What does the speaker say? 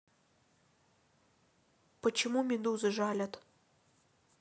почему медузы жалят